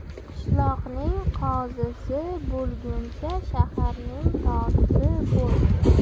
qishloqning qozisi bo'lguncha shaharning tozisi bo'l